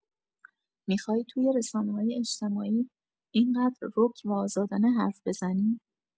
می‌خوای توی رسانه‌های اجتماعی این‌قدر رک و آزادانه حرف بزنی؟